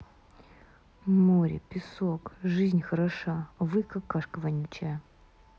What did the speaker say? море песок жизнь хороша а вы какашка вонючая